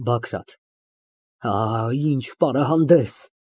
ԲԱԳՐԱՏ ֊ Ա, ինչ պարահանդես։